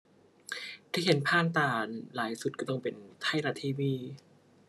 ที่เห็นผ่านตาหลายสุดก็ต้องเป็นไทยรัฐ TV